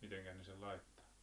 mitenkäs ne sen laittaa